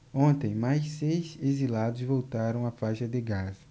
ontem mais seis exilados voltaram à faixa de gaza